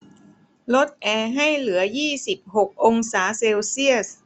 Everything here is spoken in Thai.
ลดแอร์ให้เหลือยี่สิบหกองศาเซลเซียส